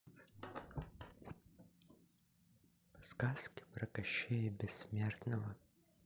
сказки про кощея бессмертного